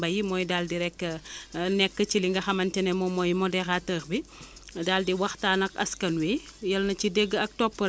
nangamu litre ndox la war a soxla nangami température nagam la war a am tant de calorie la war a mën a absorbé